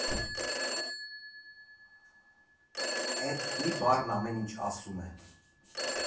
Էդ մի բառն ամեն ինչ ասում է։